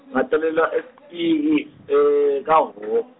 Ngatalelwa eSpiki, kaHho-.